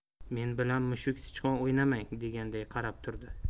men bilan mushuk sichqon o'ynamang deganday qarab turdi